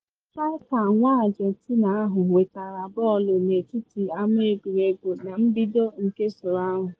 Strịka nwa Argentina ahụ nwetara bọọlụ n’etiti ama egwuregwu na mbido nke usoro ahụ.